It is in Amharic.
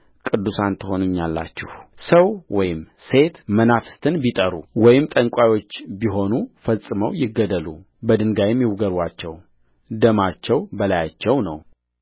ቅዱሳን ትሆኑልኛላችሁሰው ወይም ሴት መናፍስትን ቢጠሩ ወይም ጠንቋዮች ቢሆኑ ፈጽመው ይገደሉ በድንጋይ ይውገሩአቸው ደማቸው በላያቸው ነው